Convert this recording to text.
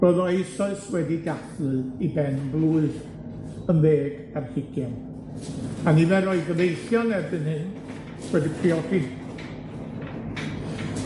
roedd o eisoes wedi dathlu 'i ben-blwydd, yn ddeg ar hugien, a nifer o'i gyfeillion erbyn hyn wedi priodi.